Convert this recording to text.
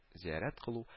Зиярәт кылу